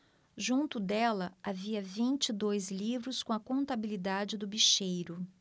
junto dela havia vinte e dois livros com a contabilidade do bicheiro